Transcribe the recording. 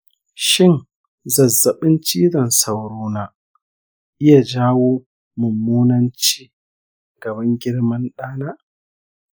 shin zazzabin cizon sauro na iya jawo mummunan ci gaban girman ɗa na?